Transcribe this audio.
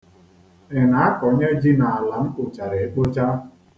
I na-akọnye ji n'ala m kpochara ekpocha?